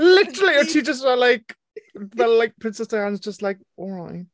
Literally o't ti jyst fel like fel like Princess Diana's just like, "alright".